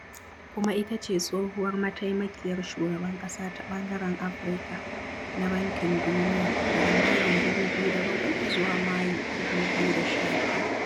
Kuma itace tsohuwar mataimakiyar shugaban ƙasa ta ɓangaren Afirka na Bankin Duniya daga Mayun 2007 zuwa Mayu 2012.